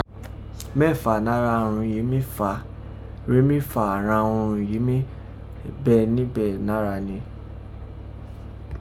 Mẹ́fà nára àghan urun yìí fà á, rèé mí fa àghan urun èyí ghan nibe mára rin..